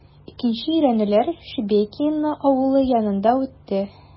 Икенче өйрәнүләр Шебекиио авылы янында үтте.